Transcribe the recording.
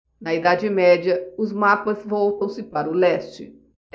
na idade média os mapas voltam-se para o leste